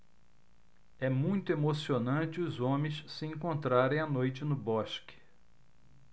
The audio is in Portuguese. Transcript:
é muito emocionante os homens se encontrarem à noite no bosque